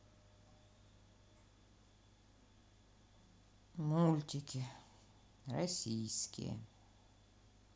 мультики российские